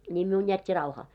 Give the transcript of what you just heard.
niin minun jätti rauhaan